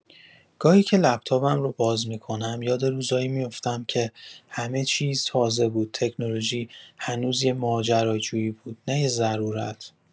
گاهی که لپ‌تاپم رو باز می‌کنم، یاد روزایی می‌افتم که همه چیز تازه بود، تکنولوژی هنوز یه ماجراجویی بود، نه یه ضرورت.